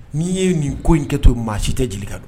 N'i ye nin ko in kɛ to maa si tɛ jeli ka don